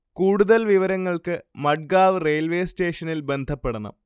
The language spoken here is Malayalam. കൂടുതൽ വിവരങ്ങൾക്ക് മഡ്ഗാവ് റെയിൽവേ സ്റ്റേഷനിൽ ബന്ധപ്പെടണം